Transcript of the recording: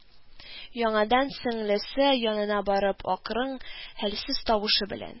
Яңадан сеңлесе янына барып акрын, хәлсез тавыш белән: